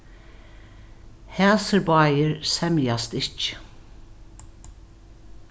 hasir báðir semjast ikki